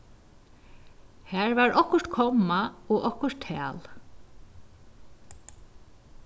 har var okkurt komma og okkurt tal